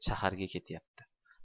shaharga ketayapti